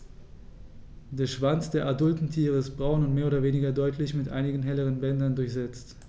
Der Schwanz der adulten Tiere ist braun und mehr oder weniger deutlich mit einigen helleren Bändern durchsetzt.